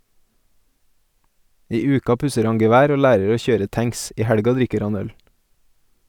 I uka pusser han gevær og lærer å kjøre tanks, i helga drikker han øl.